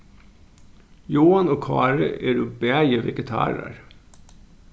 joan og kári eru bæði vegetarar